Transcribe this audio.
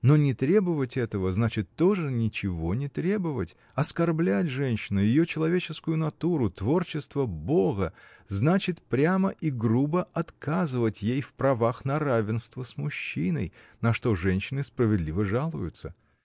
Но не требовать этого — значит тоже ничего не требовать: оскорблять женщину, ее человеческую натуру, творчество Бога, значит прямо и грубо отказывать ей в правах на равенство с мужчиной, на что женщины справедливо жалуются.